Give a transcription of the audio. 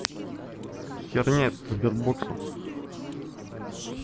херня этот sberbox